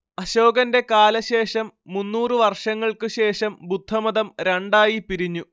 അശോകന്റെ കാലശേഷം മുന്നൂറ് വർഷങ്ങൾക്ക് ശേഷം ബുദ്ധമതം രണ്ടായി പിരിഞ്ഞു